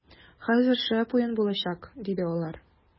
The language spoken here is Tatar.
- хәзер шәп уен булачак, - диде алар.